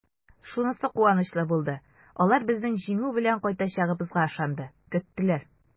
Шунысы куанычлы булды: алар безнең җиңү белән кайтачагыбызга ышанды, көттеләр!